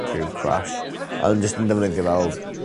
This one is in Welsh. rhyw crash a odd e'n jyst yn defnyddio fel